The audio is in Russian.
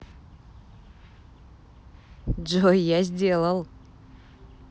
джой я сделал